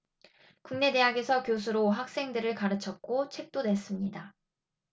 국내 대학에서 교수로 학생들을 가르쳤고 책도 냈습니다